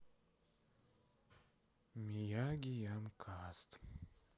мияги ям каст